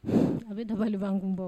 A bɛ dabaliban kun bɔ.